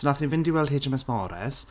So naethon ni fynd i weld HMS Morris.